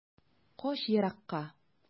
Кач еракка.